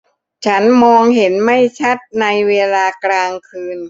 ฉันมองเห็นไม่ชัดในเวลากลางคืน